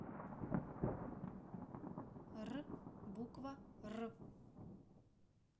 р буква р